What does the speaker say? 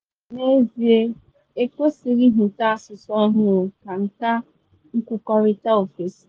N’ezie, ekwesịrị ịhụta asụsụ ọhụụ ka “nka nkwukọrịta ofesi.”